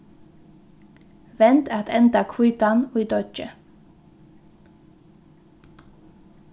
vend at enda hvítan í deiggið